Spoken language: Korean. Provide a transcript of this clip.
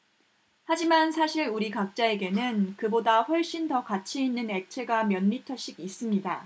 하지만 사실 우리 각자에게는 그보다 훨씬 더 가치 있는 액체가 몇 리터씩 있습니다